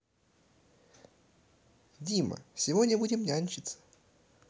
дима сегодня будет нянчиться